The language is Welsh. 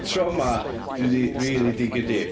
Tro 'ma, dwi 'di rili digio deep.